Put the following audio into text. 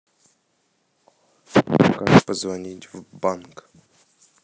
как позвонить в банк